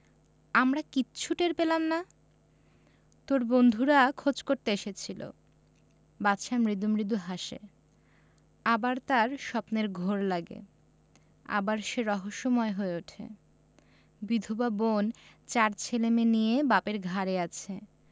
আমরা কিচ্ছু টের পেলাম না তোর বন্ধুরা খোঁজ করতে এসেছিলো বাদশা মৃদু মৃদু হাসে আবার তার স্বপ্নের ঘোর লাগে আবার সে রহস্যময় হয়ে উঠে বিধবা বোন চার ছেলেমেয়ে নিয়ে বাপের ঘাড়ে আছে